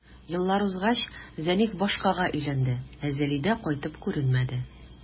Еллар узгач, Зәниф башкага өйләнде, ә Зәлидә кайтып күренмәде.